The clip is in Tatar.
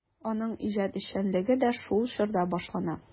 Аның иҗат эшчәнлеге дә шул чорда башлана.